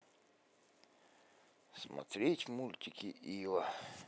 смотреть мультики ива